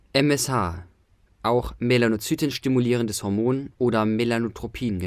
MSH (Melanozyten-stimulierendes Hormon, Melanotropin